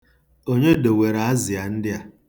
Onye dowere azịa ndị a?